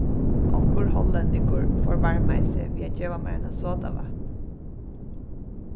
onkur hollendingur forbarmaði seg við at geva mær eina sodavatn